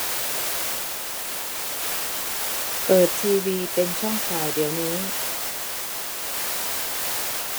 เปิดทีวีเป็นช่องข่าวเดี๋ยวนี้